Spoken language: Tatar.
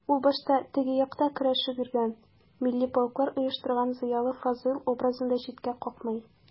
Ул башта «теге як»та көрәшеп йөргән, милли полклар оештырган зыялы Фазыйл образын да читкә какмый.